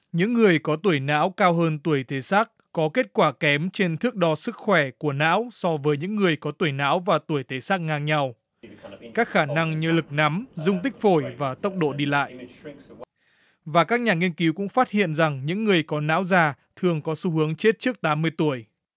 những người có tuổi não cao hơn tuổi thể xác có kết quả kém trên thước đo sức khỏe của não so với những người có tuổi não và tuổi thể xác ngang nhau các khả năng như lực nắm dung tích phổi và tốc độ đi lại và các nhà nghiên cứu cũng phát hiện rằng những người còn não già thường có xu hướng chết trước tám mươi tuổi